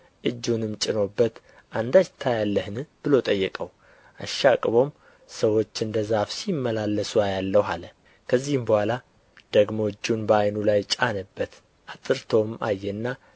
እጁንም ጭኖበት አንዳች ታያለህን ብሎ ጠየቀው አሻቅቦም ሰዎች እንደ ዛፍ ሲመላለሱ አያለሁ አለ ከዚህም በኋላ ደግሞ እጁን በዓይኑ ላይ ጫነበት አጥርቶም አየና